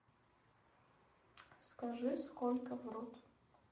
скажи сколько в рот